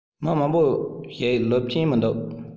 མི མང པོ ཞིག ལོབས ཀྱིན མི འདུག